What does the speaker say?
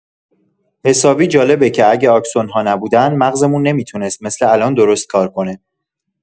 حسابی جالبه که اگه اکسون‌ها نبودن، مغزمون نمی‌تونست مثل الان درست‌کار کنه.